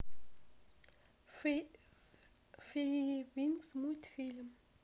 феи винкс мультфильм